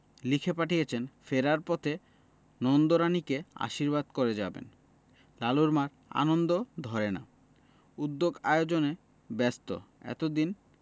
লিখে পাঠিয়েছেন ফেরার পথে নন্দরানীকে আশীর্বাদ করে যাবেন লালুর মা'র আনন্দ ধরে না উদ্যোগ আয়োজনে ব্যস্ত এতদিন